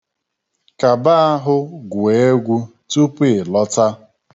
Kaba ahụ gwuo egwu tupu ị lọta.